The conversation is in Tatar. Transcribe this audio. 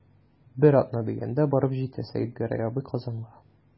Бер атна дигәндә барып җитә Сәетгәрәй абый Казанга.